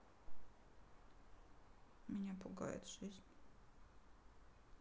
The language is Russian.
меня пугает жизнь